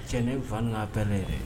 Cɛnɛnɛn fa n'a hɛrɛɛ dɛ